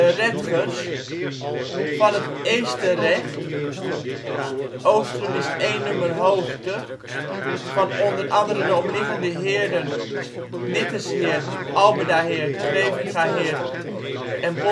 rechters) van het Eesterrecht (Oostrum = Eenumerhoogte; van onder andere de omliggende heerden Nittersheerd, Alberdaheerd, Grevingaheerd en Bolsiersema/Schatsborg